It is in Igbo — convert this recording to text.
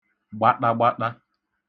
gbaṭagbaṭa